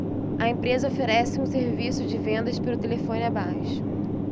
a empresa oferece um serviço de vendas pelo telefone abaixo